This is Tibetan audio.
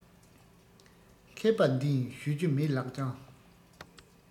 མཁས པ འདི ཡིན ཞུ རྒྱུ མེད ལགས ཀྱང